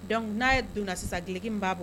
Donc n'a ye donna sisan duloki min b'a bo